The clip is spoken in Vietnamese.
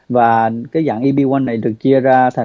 và cái dạng i đi goăn này được chia ra thành